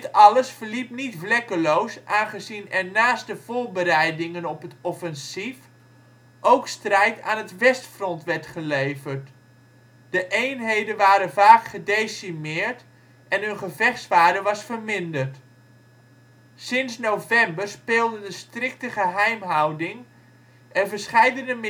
alles verliep niet vlekkeloos, aangezien er naast de voorbereidingen op het offensief ook strijd aan het westfront werd geleverd. De eenheden waren vaak gedecimeerd en hun gevechtswaarde was verminderd. Sinds november speelden de strikte geheimhouding en verscheidene